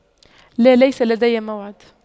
لا ليس لدي موعد